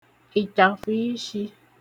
ị̀chtàfụ̀ ishī